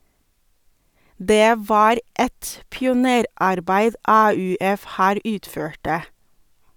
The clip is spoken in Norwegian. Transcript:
- Det var et pionerarbeid AUF her utførte.